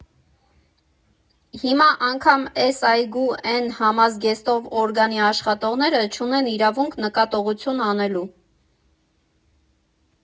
Հիմա անգամ էս այգու էն համազգեստով օրգանի աշխատողները չունեն իրավունք նկատողություն անելու։